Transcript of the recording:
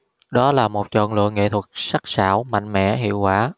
đó là một chọn lựa nghệ thuật sắc sảo mạnh mẽ hiệu quả